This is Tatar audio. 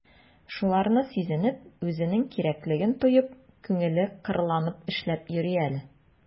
Шуларны сизенеп, үзенең кирәклеген тоеп, күңеле кырланып эшләп йөри әле...